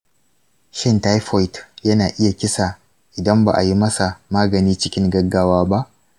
shin taifoid na iya kisa idan ba a yi masa magani cikin gaggawa ba?